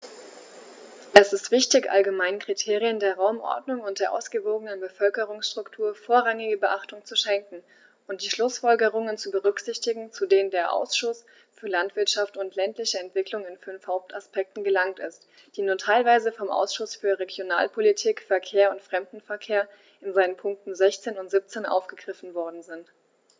Es ist wichtig, allgemeinen Kriterien der Raumordnung und der ausgewogenen Bevölkerungsstruktur vorrangige Beachtung zu schenken und die Schlußfolgerungen zu berücksichtigen, zu denen der Ausschuss für Landwirtschaft und ländliche Entwicklung in fünf Hauptaspekten gelangt ist, die nur teilweise vom Ausschuss für Regionalpolitik, Verkehr und Fremdenverkehr in seinen Punkten 16 und 17 aufgegriffen worden sind.